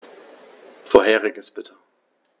Vorheriges bitte.